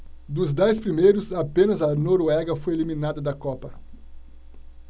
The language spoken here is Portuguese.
dos dez primeiros apenas a noruega foi eliminada da copa